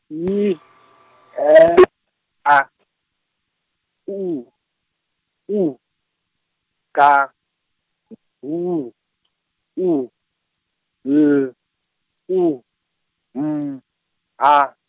Y , E, K, U, U, K , W, U, L, U, M, A.